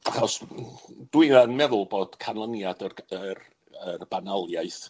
Achos dwi yn meddwl bod canlyniad yr yr yr banaliaeth